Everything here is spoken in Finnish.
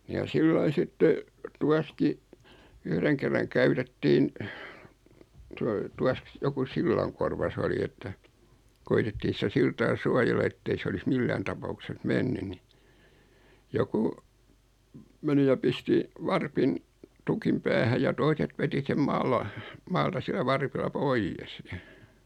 ja sillä lailla sitten tuossakin yhden kerran käytettiin -- joku sillankorva se oli että koetettiin sitä siltaa suojella että ei se olisi millään tapauksessa mennyt niin joku meni ja pisti varpin tukin päähän ja toiset veti sen - maalta sillä varpilla pois